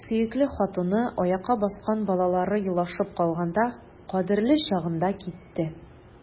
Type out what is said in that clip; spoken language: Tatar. Сөекле хатыны, аякка баскан балалары елашып калганда — кадерле чагында китте!